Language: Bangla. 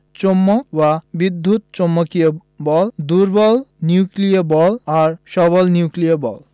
চৌম্বক বা বিদ্যুৎ চৌম্বকীয় বল দুর্বল নিউক্লিয় বল ও সবল নিউক্লিয় বল